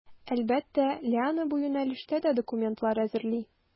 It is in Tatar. Әлбәттә, Лиана бу юнәлештә дә документлар әзерли.